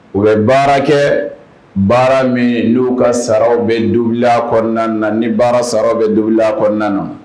U bɛ baara kɛ baara min n'u ka saraw be doubler a kɔɔna na ni baara saraw bɛ doubler a kɔɔna na